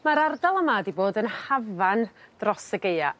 Ma'r ardal yma 'di bod yn hafan dros y Gaea